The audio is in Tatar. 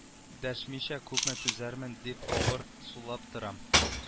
Дәшмичә күпме түзәрмен дип авыр сулап торам